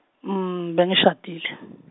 bengishadile.